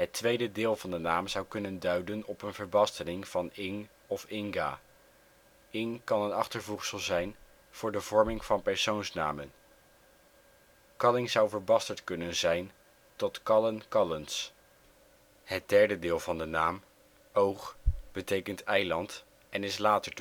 tweede deel van de naam zou kunnen duiden op een verbastering van ing of inga. Ing kan een achtervoegsel zijn voor de vorming van persoonsnamen. Kalling zou verbasterd kunnen zijn tot Kallen-Kallens. Het derde deel van de naam oog betekent eiland en is later